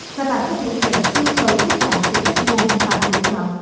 và bạn có thể nhận yêu cầu kết bạn từ các nguồn bạn lựa chọn